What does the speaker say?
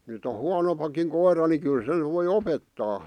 nyt on huonompikin koira niin kyllä sen voi opettaa